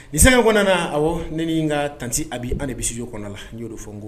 Nin sanga in kɔnɔna, awɔ, ne ni n ka tanti Abi aw de bi studio kɔnɔna la, n y'o de fɔ n ko. .